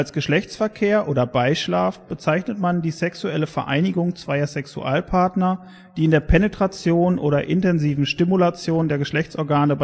Geschlechtsverkehr “(„ Beischlaf “) bezeichnet man die sexuelle Vereinigung zweier Sexualpartner, die in der Penetration oder intensiven Stimulation der Geschlechtsorgane